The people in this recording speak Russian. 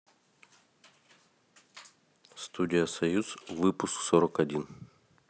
студия союз выпуск сорок один